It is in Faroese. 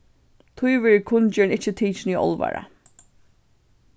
tí verður kunngerðin ikki tikin í álvara